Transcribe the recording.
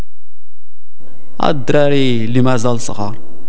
ادري لماذا للصغار